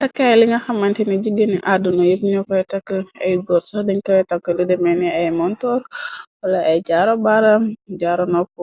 Takkaay linga xamantina jigéeni àdduna yéb ño koy takk ay gór sax dañ koye takk lu demeni ay montoor wala ay jaaro baaram jaaro nopp